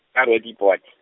a- Roodepoort.